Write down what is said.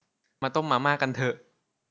มาต้มมาม่ากันเถอะ